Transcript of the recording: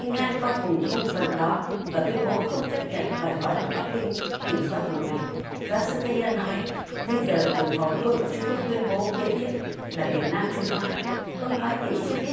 bênh hang qua vùng không phận đó và tuyên bố không chấp nhận đòi hỏi của bắc kinh kiểm soát vùng này giáo sư thay dơ nói bây giờ vùng phòng không mà trung quốc tuyên bố kế tiếp là biển nam trung hoa ông nói hiện chưa biết